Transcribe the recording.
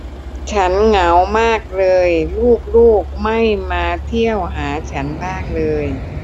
ฉันเหงามากเลยลูกลูกไม่มาเที่ยวหาฉันบ้างเลย